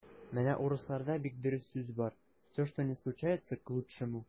Менә урысларда бик дөрес сүз бар: "все, что ни случается - к лучшему".